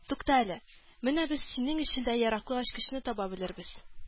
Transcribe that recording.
Туктале, менә без синең өчен дә яраклы ачкычны таба белербез